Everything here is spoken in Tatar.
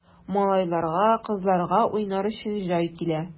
Малайларга, кызларга уйнар өчен җай килә!